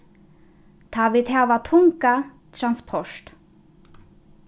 tá vit hava tunga transport